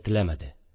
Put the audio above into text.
Теләмәде.